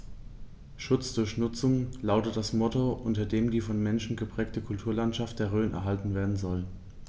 „Schutz durch Nutzung“ lautet das Motto, unter dem die vom Menschen geprägte Kulturlandschaft der Rhön erhalten werden soll.